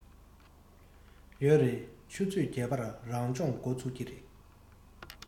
ཡོད རེད ཆུ ཚོད བརྒྱད པར རང སྦྱོང འགོ ཚུགས ཀྱི རེད